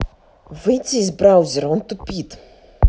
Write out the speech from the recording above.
выйти из браузер он тупит